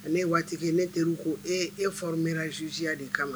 Waati ne teri' ko e e fa mɛn zzsiya de kama